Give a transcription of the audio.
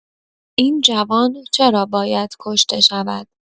این جوان، چرا باید کشته شود؟!